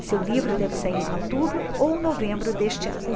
seu livro deve sair em outubro ou novembro deste ano